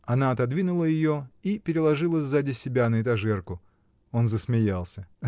Она отодвинула ее и переложила сзади себя, на этажерку. Он засмеялся.